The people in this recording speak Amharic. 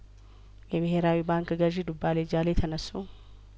የብሄራዊ ባንክ ገዢ ዱ ባለጃሌ ተነሱ